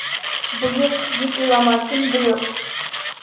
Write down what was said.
Боек, дип уйлама, төнбоек!